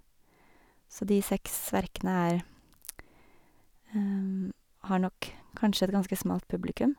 Så de seks verkene er har nok kanskje et ganske smalt publikum.